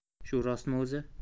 shu rostmi o'zi